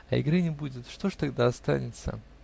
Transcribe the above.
А игры не будет, что ж тогда остается?.